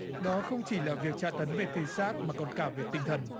đó không chỉ là việc tra tấn về thể xác mà còn cả về tinh thần